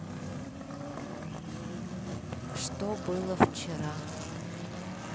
что было вчера